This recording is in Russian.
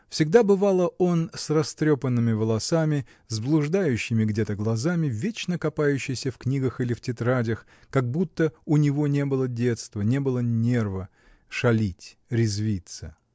Всегда, бывало, он с растрепанными волосами, с блуждающими где-то глазами, вечно копающийся в книгах или в тетрадях, как будто у него не было детства, не было нерва — шалить, резвиться.